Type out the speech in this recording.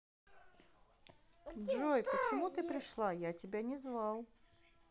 джой почему ты пришла я тебя не звал